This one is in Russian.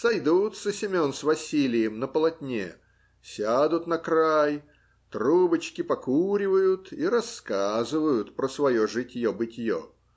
Сойдутся Семен с Василием на полотне, сядут на край, трубочки покуривают и рассказывают про свое житье-бытье.